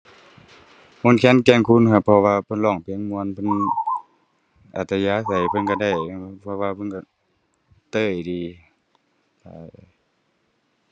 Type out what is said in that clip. มนต์แคน แก่นคูนครับ เพราะว่าเพิ่นร้องเพลงม่วน เพิ่นอัธยาศัยเพิ่นก็ได้อยู่ เพราะว่าเพิ่นก็เต้ยดี เอ้อ